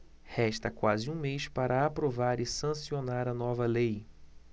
resta quase um mês para aprovar e sancionar a nova lei